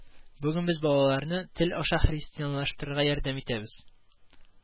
Бүген без балаларны тел аша христианлаштырырга ярдәм итәбез